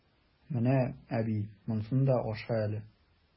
Менә, әби, монсын да аша әле!